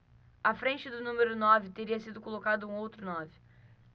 à frente do número nove teria sido colocado um outro nove